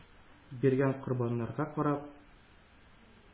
Биргән корбаннарга карап